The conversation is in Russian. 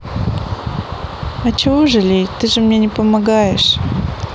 а чего жалеть ты же мне не помогаешь